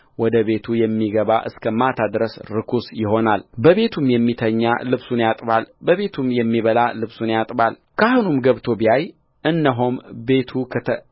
ወደ ቤቱ የሚገባ እስከ ማታ ድረስ ርኩስ ይሆናልበቤቱም የሚተኛ ልብሱን ያጥባል በቤቱም የሚበላ ልብሱን ያጥባልካህኑም ገብቶ ቢያይ እነሆም ቤቱ ከተ